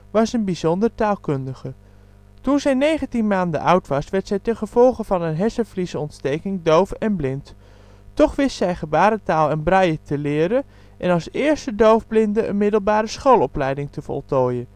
was een bijzonder taalkundige. Toen zij 19 maanden oud was, werd zij tengevolge van een hersenvliesontsteking doof en blind. Toch wist zij gebarentaal én braille te leren, en als eerste doofblinde een middelbare schoolopleiding te voltooien